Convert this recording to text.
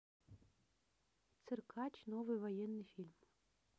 циркач новый военный фильм